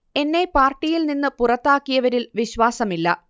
എന്നെ പാർട്ടിയിൽ നിന്ന് പുറത്താക്കിയവരിൽ വിശ്വാസമില്ല